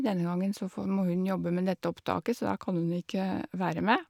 Denne gangen så få må hun jobbe med dette opptaket, så da kan hun ikke være med.